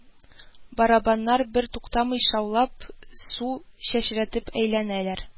Барабаннар бертуктамый шаулап су чәчрәтеп әйләнәләр